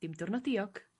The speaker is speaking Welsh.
dim diwrnod diog!